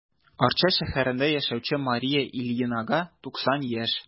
Арча шәһәрендә яшәүче Мария Ильинага 90 яшь.